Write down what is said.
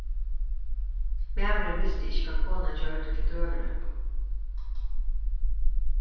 maðurin visti ikki hvat konan gjørdi til døgurða